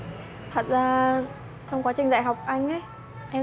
thật ra trong quá trình dạy học anh ấy em